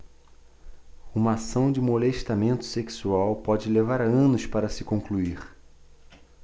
uma ação de molestamento sexual pode levar anos para se concluir